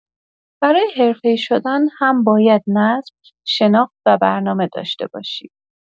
برای حرفه‌ای شدن هم باید نظم، شناخت و برنامه داشته باشی.